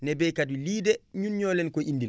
ne baykat yi lii de ñun ñoo leen ko indil